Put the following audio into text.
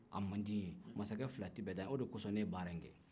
a man di n ye mansa kɛ fila tɛ bɛn o de kɔsɔn ne ye baara in kɛ